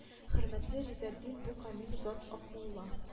Хөрмәтле ризаэддин бу камил зат акмулла